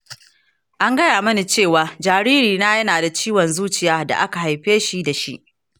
an gaya mini cewa jariri na yana da ciwon zuciya da aka haife shi da shi.